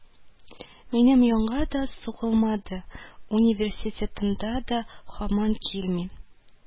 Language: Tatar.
Минем янга да сугылмады, университетка да һаман килми